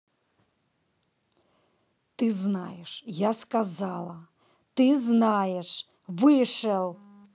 ты знаешь я сказала ты знаешь вышел